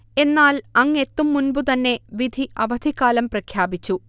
എന്നാൽ അങ്ങെത്തും മുൻപു തന്നെ വിധി അവധിക്കാലം പ്രഖ്യാപിച്ചു